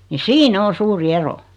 niin siinä on suuri ero